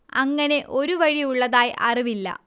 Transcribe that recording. അങ്ങനെ ഒരു വഴി ഉള്ളതായി അറിവില്ല